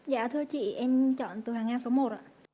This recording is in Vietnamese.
dạ thưa chị em chọn từ hàng ngang số một ạ